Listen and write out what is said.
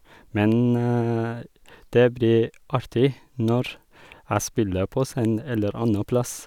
Men det blir artig når jeg spiller på scenen eller anna plass.